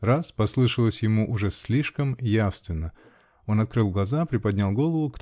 раз!!" послышалось ему уже слишком явственно: он открыл глаза, приподнял голову.